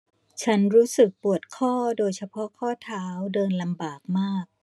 ฉันรู้สึกปวดข้อโดยเฉพาะข้อเท้าเดินลำบากมาก